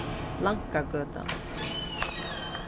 blankagøta